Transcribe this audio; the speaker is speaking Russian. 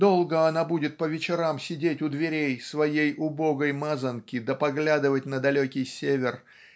Долго она будет по вечерам сидеть у дверей своей убогой мазанки да поглядывать на далекий север